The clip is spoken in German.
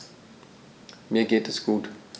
Mir geht es gut.